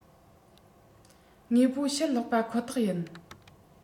དངོས པོ ཕྱིར སློག པ ཁོ ཐག ཡིན